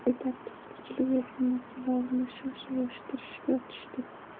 betartib sochilib yotgan narsalarni shoshib yig'ishtirishga tushdi